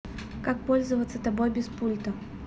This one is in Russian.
как пользоваться тобой без пульта